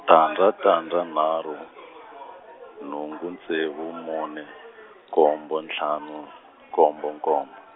tandza tandza nharhu, nhungu ntsevu mune, nkombo ntlhanu nkombo nkombo.